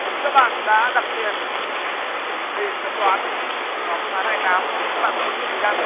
các bạn đã đặt tiền đầy quyết đoán vào phương án hai tám các bạn có muốn dừng thời gian không